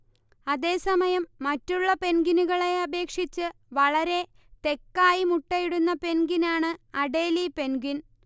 അതേസമയം മറ്റുള്ള പെൻഗ്വിനുകളെ അപേക്ഷിച്ച് വളരെ തെക്കായി മുട്ടയിടുന്ന പെൻഗ്വിനാണ് അഡേലി പെൻഗ്വിൻ